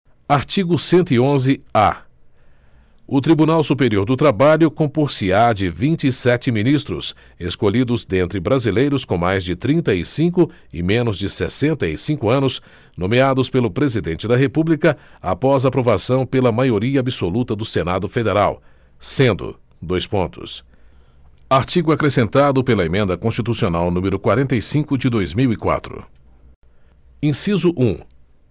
artigo cento e onze a o tribunal superior do trabalho compor se á de vinte e sete ministros escolhidos dentre brasileiros com mais de trinta e cinco e menos de sessenta e cinco anos nomeados pelo presidente da república após aprovação pela maioria absoluta do senado federal sendo dois pontos artigo acrescentado pela emenda constitucional número quarenta e cinco de dois mil e quatro inciso um